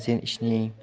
sen ishni yeng